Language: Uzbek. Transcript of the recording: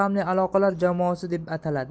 raqamli aloqalar jamoasi deb ataladi